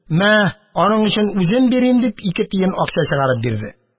Мә, аның өчен үзем бирим, – дип, ике тиен акча чыгарып бирде.